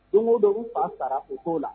Don dɔw u fa sara u' la